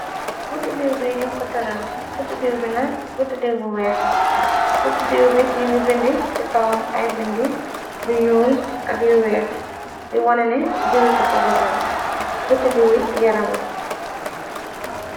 Gutu dew bi nung ko tadal, gutt dew bi nak gutt dew bu weeh la. Gutt dew bi ñu ngi bindi ci kawam ay bindi yu ñuul ak yu weeh di wonane dew wi coco bota la gut dew wi yaram la.